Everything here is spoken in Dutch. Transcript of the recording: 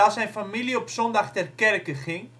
zijn familie op zondag ter kerke ging